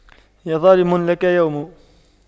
يا ظالم لك يوم